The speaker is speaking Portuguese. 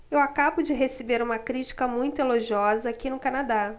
eu acabo de receber uma crítica muito elogiosa aqui no canadá